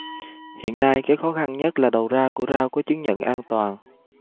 hiện nay cái khó khăn nhất là đầu ra của rau có chứng nhận an toàn